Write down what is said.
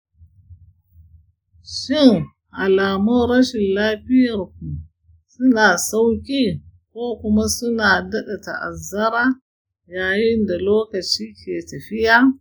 shin alamun rashin lafiyar ku suna sauƙi ko kuma suna daɗa ta'azzara yayin da lokaci ke tafiya?